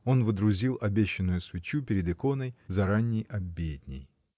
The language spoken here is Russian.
Он водрузил обещанную свечу перед иконой за ранней обедней.